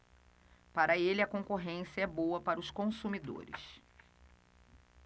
para ele a concorrência é boa para os consumidores